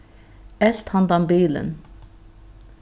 elt handan bilin